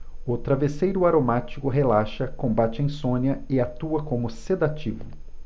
o travesseiro aromático relaxa combate a insônia e atua como sedativo